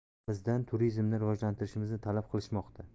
bizdan turizmni rivojlantirishimizni talab qilishmoqda